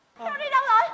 ơ đi đâu rồi